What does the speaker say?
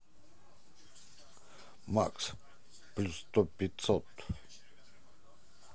макс плюс сто пятьсот